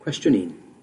Cwestiwn un.